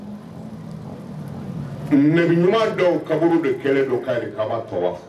Ɲuman dɔw kab de kɛlen don k kaa kaba wa